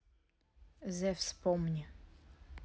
the вспомни